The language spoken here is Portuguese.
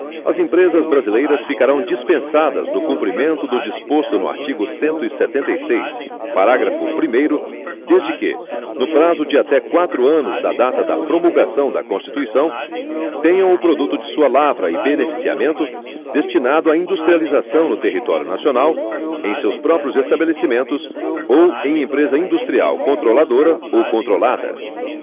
as empresas brasileiras ficarão dispensadas do cumprimento do disposto no artigo cento e setenta e seis parágrafo primeiro desde que no prazo de até quatro anos da data da promulgação da constituição tenham o produto de sua lavra e beneficiamento destinado a industrialização no território nacional em seus próprios estabelecimentos ou em empresa industrial controladora ou controlada